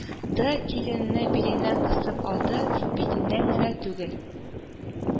Ды: киленне биленнән кысып алды, битеннән генә түгел,